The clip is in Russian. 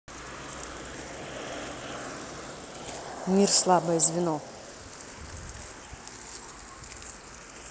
мир слабое звено